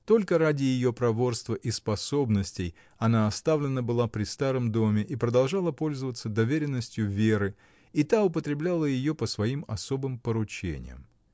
Только ради ее проворства и способностей она оставлена была при старом доме и продолжала пользоваться доверенностью Веры, и та употребляла ее по своим особым поручениям.